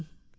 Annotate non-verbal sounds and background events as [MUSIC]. [HESITATION]